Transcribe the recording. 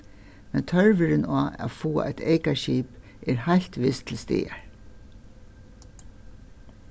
men tørvurin á at fáa eitt eyka skip er heilt vist til staðar